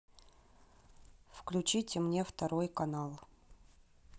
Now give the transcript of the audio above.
включите мне второй канал